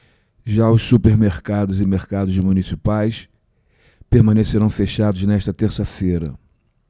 já os supermercados e mercados municipais permanecerão fechados nesta terça-feira